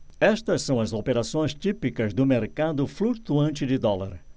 essas são as operações típicas do mercado flutuante de dólar